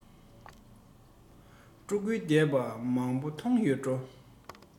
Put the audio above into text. ཕྲུ གུ བསྡད པ མང པོ མཐོང ཡོད འགྲོ